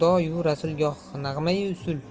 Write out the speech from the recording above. rasul goh nag'mayi usul